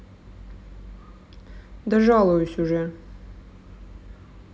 да жалуюсь уже